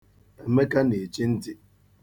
Emeka na-echi ntị.